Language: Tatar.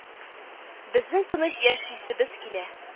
Безнең тыныч яшисебез килә